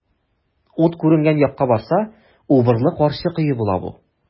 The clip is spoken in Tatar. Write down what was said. Ут күренгән якка барса, убырлы карчык өе була бу.